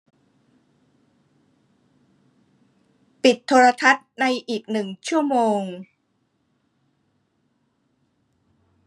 ปิดโทรทัศน์ในอีกหนึ่งชั่วโมง